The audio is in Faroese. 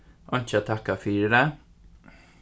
einki at takka fyri